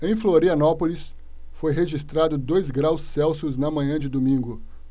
em florianópolis foi registrado dois graus celsius na manhã de domingo